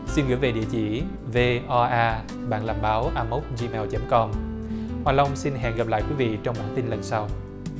xin gửi về địa chỉ vê o a bạn làm báo a móc di meo chấm com hoài long xin hẹn gặp lại quý vị trong bản tin lần sau